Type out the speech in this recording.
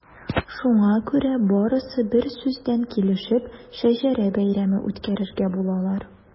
Шуңа күрә барысы берсүздән килешеп “Шәҗәрә бәйрәме” үткәрергә булалар.